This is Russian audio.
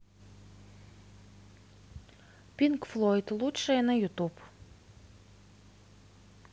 пинк флойд лучшее на ютуб